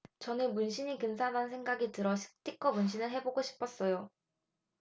저는 문신이 근사하다는 생각이 들어 스티커 문신을 해 보고 싶었어요